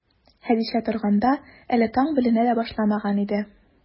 Хәдичә торганда, әле таң беленә дә башламаган иде.